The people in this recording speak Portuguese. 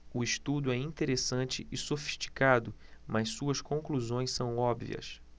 o estudo é interessante e sofisticado mas suas conclusões são óbvias